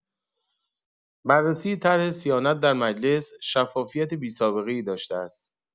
بررسی طرح صیانت در مجلس، شفافیت بی‌سابقه‌ای داشته است.